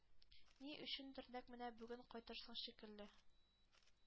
Ни өчендер нәкъ менә бүген кайтырсың шикелле.